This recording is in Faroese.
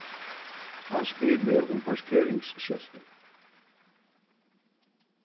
hann spyr meg um parkeringsskeltið